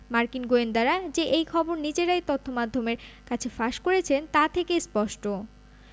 মার্কিন গোয়েন্দারা যে এই খবর নিজেরাই তথ্যমাধ্যমের কাছে ফাঁস করেছেন তা থেকে স্পষ্ট